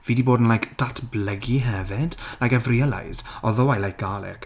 Fi di bod yn like datblygu hefyd. Like I've realised although I like garlic...